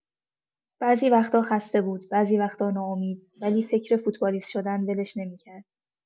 بعضی وقتا خسته بود، بعضی وقتا ناامید، ولی فکر فوتبالیست شدن ولش نمی‌کرد.